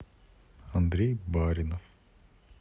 андрей баринов